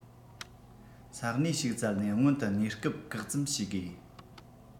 ས གནས ཞིག བཙལ ནས སྔོན དུ གནས སྐབས བཀག ཙམ བྱས དགོས